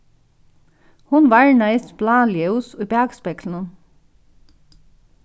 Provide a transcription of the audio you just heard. hon varnaðist blá ljós í bakspeglinum